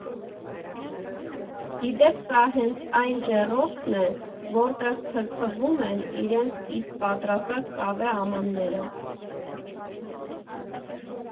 Ի դեպ, սա հենց այն ջեռոցն է, որտեղ թրծվում են իրենց իսկ պատրաստած կավե ամանները։